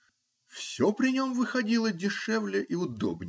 Все при нем выходило дешевле и удобнее.